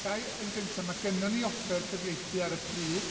Ga i yn gyntaf, mae gennym ni offer cyfieithu ar y pryd.